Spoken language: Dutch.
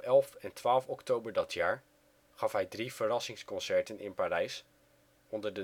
Op 11 en 12 oktober dat jaar gaf hij drie verrassingsconcerten in Parijs onder